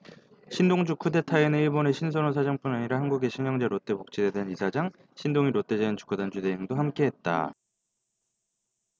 신동주 쿠데타에는 일본의 신선호 사장뿐 아니라 한국의 신영자 롯데복지재단 이사장 신동인 롯데자이언츠 구단주 대행도 함께했다